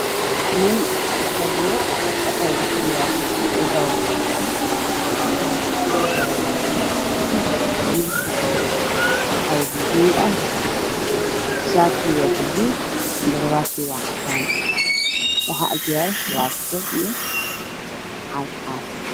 Waa nin fadhiyo oo wato suud io garaabaati garabaatiga waa cadàan waxaa ag yaalo laabtook